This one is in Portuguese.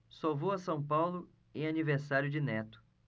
só vou a são paulo em aniversário de neto